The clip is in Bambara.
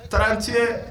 Taara tiɲɛ